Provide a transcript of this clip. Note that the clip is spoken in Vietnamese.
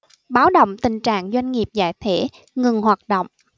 báo động tình trạng doanh nghiệp giải thể ngừng hoạt động